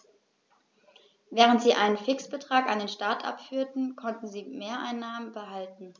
Während sie einen Fixbetrag an den Staat abführten, konnten sie Mehreinnahmen behalten.